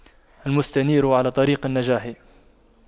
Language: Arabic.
المستنير على طريق النجاح